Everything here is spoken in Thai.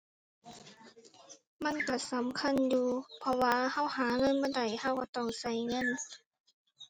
มันก็สำคัญอยู่ เพราะว่าก็หาเงินมาได้ ก็ก็ต้องก็เงิน